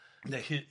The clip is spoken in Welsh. Yndy.